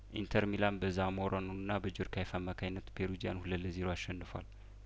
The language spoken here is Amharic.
ኢንተር ሚላን በዛሞራ ኑና በጆርካይፍ አማካይነት ፔሩጅያን ሁለት ለዜሮ አሸንፏል